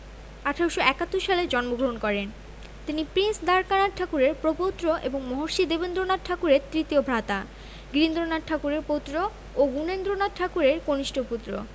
১৮৭১ সালে জন্মগ্রহণ করেন তিনি প্রিন্স দ্বারকানাথ ঠাকুরের প্রপৌত্র এবং মহর্ষি দেবেন্দ্রনাথ ঠাকুরের তৃতীয় ভ্রাতা গিরীন্দ্রনাথ ঠাকুরের পৌত্র ও গুণেন্দ্রনাথ ঠাকুরের কনিষ্ঠ পুত্র